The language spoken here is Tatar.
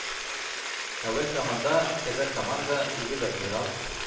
Әүвәл заманда, кәҗә команда, үгез адмирал,